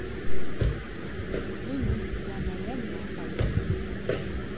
и мы тебя наверное полюбим